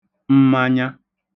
mmanya